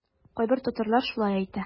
Кайбер татарлар шулай әйтә.